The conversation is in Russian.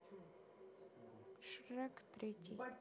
шрек третий